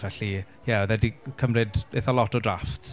Felly ie oedd e 'di cymryd eitha lot o drafts.